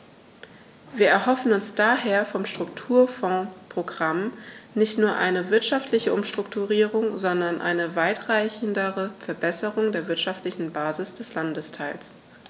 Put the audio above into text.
Wir erhoffen uns daher vom Strukturfondsprogramm nicht nur eine wirtschaftliche Umstrukturierung, sondern eine weitreichendere Verbesserung der wirtschaftlichen Basis des Landesteils.